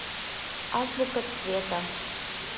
азбука цвета